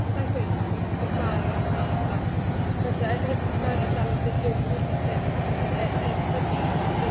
Sa i'n gweud, timod, bod bod bai ar ar blant, falle, mewn ardaloedd ble dyw'r diwylliant ddim yy yn ffynnu ar hyn o bryd.